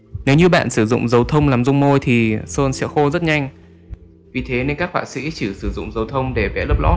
nếu bạn sử dụng dầu thông làm dung môi thì sơn sẽ khô rất nhanh vì thế nên các họa sỹ chỉ sử dụng dầu thông làm lớp lót vì thế nên các họa sỹ chỉ sử dụng dầu thông làm lớp lót